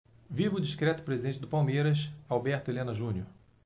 viva o discreto presidente do palmeiras alberto helena junior